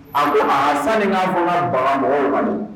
A ko sanni'a fɔ baara mɔgɔ ɲuman